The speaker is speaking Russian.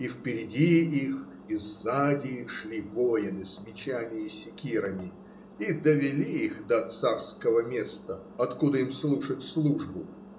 И впереди их и сзади шли воины с мечами и секирами и довели их до царского места, откуда им слушать службу.